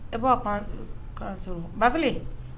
E' sɔrɔ ba kelen